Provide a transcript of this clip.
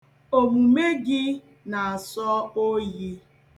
Omume gị na-asọ oyi.